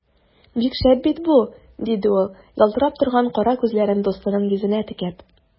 Бик шәп бит бу! - диде ул, ялтырап торган кара күзләрен дустының йөзенә текәп.